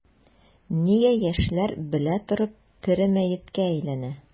Нигә яшьләр белә торып тере мәеткә әйләнә?